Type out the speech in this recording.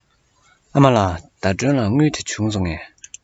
ཨ མ ལགས ཟླ སྒྲོན ལ དངུལ དེ བྱུང སོང ངས